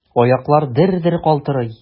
Аяклар дер-дер калтырый.